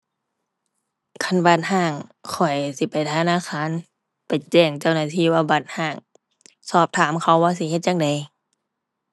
คันบัตรร้างข้อยสิไปธนาคาร ไปแจ้งเจ้าหน้าที่ว่าบัตรร้าง สอบถามเขาว่าสิเฮ็ดจั่งใด